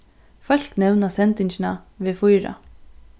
fólk nevna sendingina v4